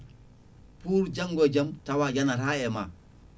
pour janggo e jaam tawa yanata ema